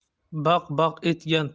baq baq etgan